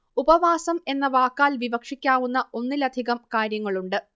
ഉപവാസം എന്ന വാക്കാൽ വിവക്ഷിക്കാവുന്ന ഒന്നിലധികം കാര്യങ്ങളുണ്ട്